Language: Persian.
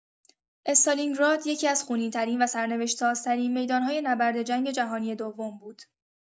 استالینگراد یکی‌از خونین‌ترین و سرنوشت‌سازترین میدان‌های نبرد جنگ جهانی دوم بود.